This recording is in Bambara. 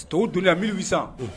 To joli a mi san